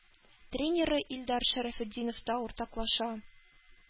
Тренеры илдар шәрәфетдинов та уртаклаша.